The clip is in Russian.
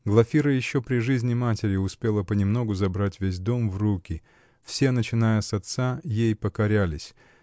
Глафира еще при жизни матери успела понемногу забрать весь дом в руки: все, начиная с отца, ей покорялись